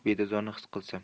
ko'k bedazorni xis qilsam